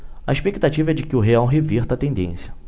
a expectativa é de que o real reverta a tendência